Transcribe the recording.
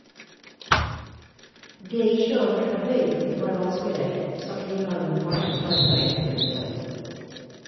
Det ikkje å verta høyrd var vanskeleg, sa kvinna under partsforklaringa i retten i går.